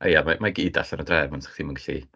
a ia, mae mae i gyd allan o drefn, 'sa chdi'm yn gallu....